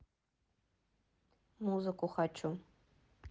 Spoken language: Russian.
музыку хочу